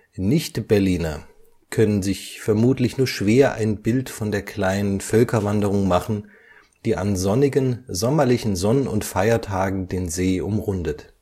Nichtberliner können sich vermutlich nur schwer ein Bild von der kleinen Völkerwanderung machen, die an sonnigen sommerlichen Sonn - und Feiertagen den See umrundet